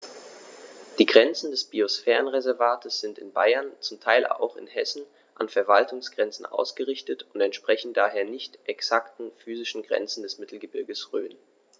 Die Grenzen des Biosphärenreservates sind in Bayern, zum Teil auch in Hessen, an Verwaltungsgrenzen ausgerichtet und entsprechen daher nicht exakten physischen Grenzen des Mittelgebirges Rhön.